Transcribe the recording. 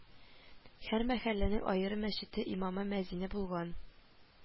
Һәр мәхәлләнең аерым мәчете, имамы, мөәзине булган